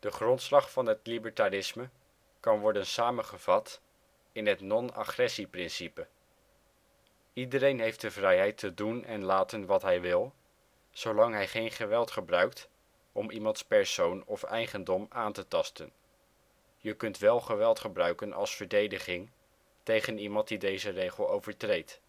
grondslag van het libertarisme kan worden samengevat in het non-agressieprincipe: " iedereen heeft de vrijheid te doen en laten wat hij wil, zolang hij geen geweld gebruikt om iemands persoon of eigendom aan te tasten (je kunt wel geweld gebruiken als verdediging tegen iemand die deze regel overtreedt